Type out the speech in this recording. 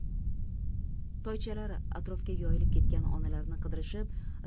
toychalar atrofga yoyilib ketgan onalarini qidirishib